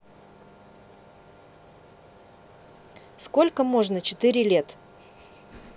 сколько можно четыре лет